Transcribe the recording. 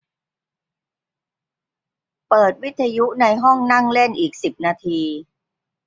เปิดวิทยุในห้องนั่งเล่นอีกสิบนาที